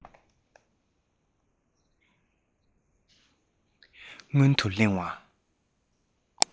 སྔོན དུ གླེང བ